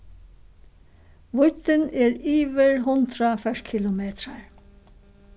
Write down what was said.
víddin er yvir hundrað ferkilometrar